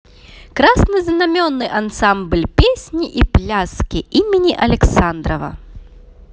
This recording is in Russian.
краснознаменный ансамбль песни и пляски имени александрова